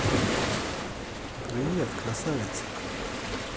привет красавица